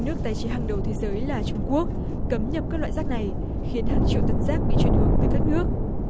nước tài chính hàng đầu thế giới là trung quốc cấm nhập các loại rác này khiến hàng triệu tấn rác bị chuyển hướng tới các nước